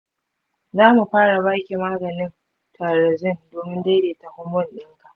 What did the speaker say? zamu fara baki maganin thyroxine domin daidaita hormone ɗinka.